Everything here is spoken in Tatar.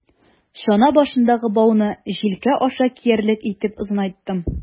Чана башындагы бауны җилкә аша киярлек итеп озынайттым.